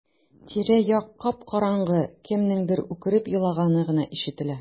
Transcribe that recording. Тирә-як кап-караңгы, кемнеңдер үкереп елаганы гына ишетелә.